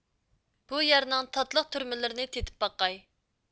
بۇ يەرنىڭ تاتلىق تۈرۈملىرىنى تېتىپ باقاي